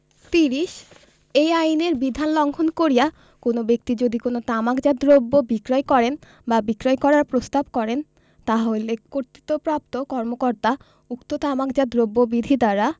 ৩০ এই আইনের বিধান লংঘন করিয়া কোন ব্যক্তি যদি কোন তামাকজাত দ্রব্য বিক্রয় করেন বা বিক্রয় করার প্রস্তাব করেন তাহা হইলে কর্তৃত্বপ্রাপ্ত কর্মকর্তা উক্ত তামাকজাত দ্রব্য বিধি দ্বারা